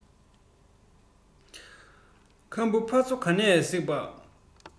ཁམ བུ ཕ ཚོ ག ནས གཟིགས པ